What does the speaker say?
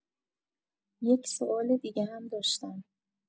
یک سوال دیگه هم داشتم